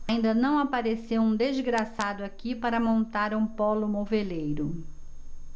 ainda não apareceu um desgraçado aqui para montar um pólo moveleiro